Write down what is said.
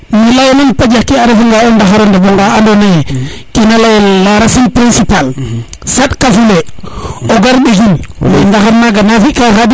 te leyona na paƴa ke a ref ndaxaro ɗeɓo nga ando naye kena leyel la racine principal saɗ ka fule o gar mbisin ndaxar naga na fika Khadim